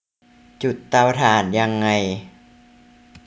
จุดเตาถ่านยังไง